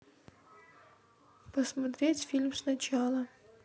смотреть фильм сначала